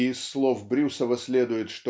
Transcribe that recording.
и из слов Брюсова следует